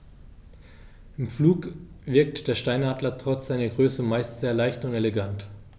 Im Flug wirkt der Steinadler trotz seiner Größe meist sehr leicht und elegant.